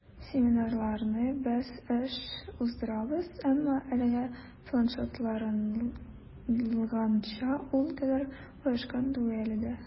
Семинарларны без еш уздырабыз, әмма әлегә планлаштырылганча ул кадәр оешкан түгел иде.